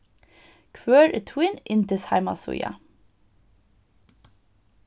hvør er tín yndisheimasíða